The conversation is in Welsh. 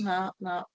Na na.